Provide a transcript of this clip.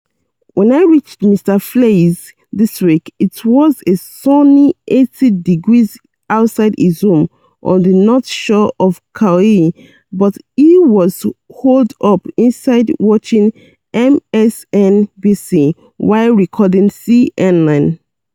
When I reached Mr. Fleiss this week, it was a sunny 80 degrees outside his home on the north shore of Kauai, but he was holed up inside watching MSNBC while recording CNN.